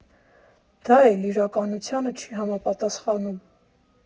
Դա էլ իրականությանը չի համապատասխանում։